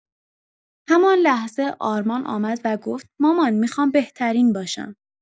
همان لحظه آرمان آمد و گفت مامان می‌خوام بهترین باشم.